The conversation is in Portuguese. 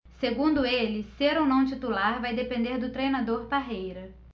segundo ele ser ou não titular vai depender do treinador parreira